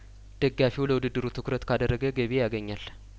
ደጋፊው ለውድድሩ ትኩረት ካደረገ ገቢ ያገኛል